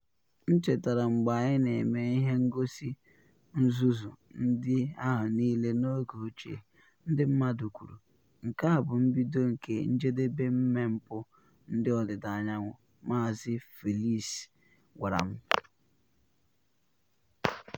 “M chetara mgbe anyị na eme ihe ngosi nzuzu ndị ahụ niile n’oge ochie, ndị mmadụ kwuru, “Nke a bụ mbido nke njedebe mmepe ndị ọdịda anyanwụ,”” Maazị Fleiss gwara m.